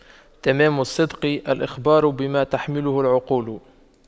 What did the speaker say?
تمام الصدق الإخبار بما تحمله العقول